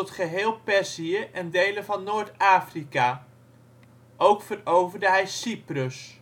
geheel Perzië en delen van Noord-Afrika. Ook veroverde hij Cyprus